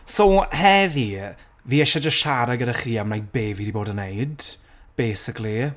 so heddi, fi isie jyst siarad gyda chi am like, be' fi 'di bod yn wneud, basically.